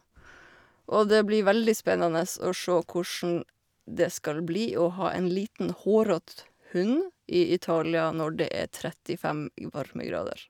Og det blir veldig spennede å sjå kossjn det skal bli å ha en liten hårete hund i Italia når det er trettifem varmegrader.